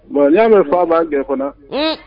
Bon n y'a mɛn faa b' gɛn kɔnɔ